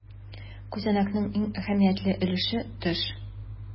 Күзәнәкнең иң әһәмиятле өлеше - төш.